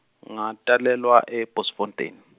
ngatalelwa e- Bosfontein.